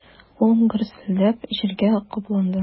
Ул гөрселдәп җиргә капланды.